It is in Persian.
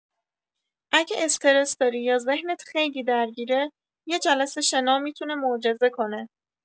اگه استرس داری یا ذهنت خیلی درگیره، یه جلسه شنا می‌تونه معجزه کنه.